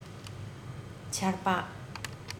ཆར པ